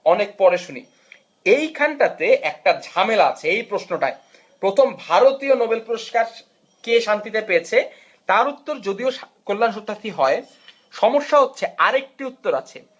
অনেক পরে শুনি এইখানটাতে একটা ঝামেলা আছে এই প্রশ্নটাই প্রথম ভারতীয় নোবেল পুরস্কার কে শান্তিতে পেয়েছে তার উত্তর যদিও কল্যান সত্যার্থী হয় সমস্যা হচ্ছে আরেকটি উত্তর আছে